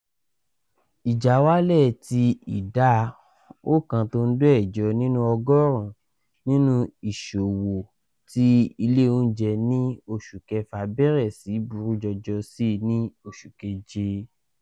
Ìjáwálẹ̀ ti ìdá 1.8 nínú ọgọ́ọ̀rún nínú ìṣòwò ti ilé óùnjẹ ní Oṣù Kẹfà bẹ̀rẹ̀ síì burú jọjọ síì ní Oṣù keje.